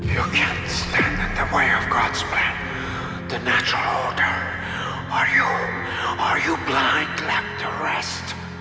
ngươi không thể ngăn cản kế hoạch của đấng tối cao đó là quy luật của tạo hóa không lẽ ngươi mù quáng đến như vậy sao